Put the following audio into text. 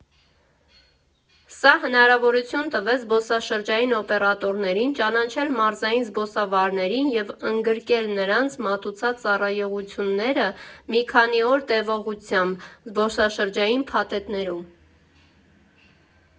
Սա հնարավորություն տվեց զբոսաշրջային օպերատորներին ճանաչել մարզային զբոսավարներին և ընդգրկել նրանց մատուցած ծառայությունները մի քանի օր տևողությամբ զբոսաշրջային փաթեթներում։